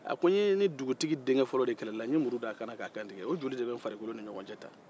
a ko n ye ni dugutigi denkɛfɔlɔ de kɛlɛ la n ye muru d'a la ka kannan ka kantigɛ o joli de bɛ ne farikolo ni ɲɔgɔn cɛ tan